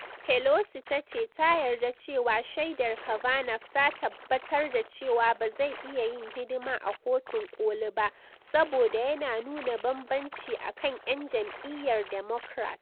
Pelosi tace ta yarda cewa shaidar Kavanaugh ta tabbatar da cewa bazai iya yin hidima a kotun koli ba, saboda yana nuna bambanci akan yan jam’iyyar Democrat.